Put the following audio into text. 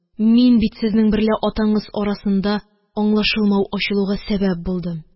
Мин бит сезнең берлә атаңыз арасында аңлашылмау ачылуга сәбәп булдым.